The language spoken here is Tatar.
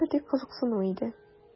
Бу бары тик кызыксыну иде.